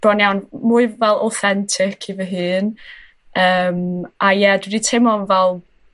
bron iawn mwy fel authentic i fy hun yym a ie dwi 'di teimlo yn fel